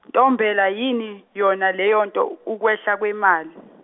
Ntombela yini yona leyonto u- ukwehla kwemali.